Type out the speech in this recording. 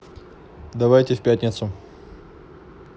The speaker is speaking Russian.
давай в пятницу